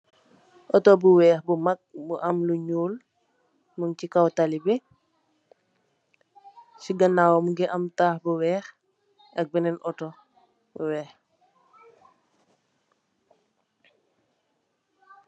Oohtoh bu wekh bu mak bu am lu njull, mung chi kaw tali bii, chi ganawam mungy am taah bu wekh ak benen oohtor bu wekh.